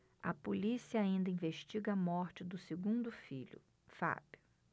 a polícia ainda investiga a morte do segundo filho fábio